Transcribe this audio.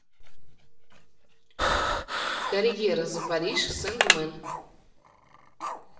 карьера за париж sandman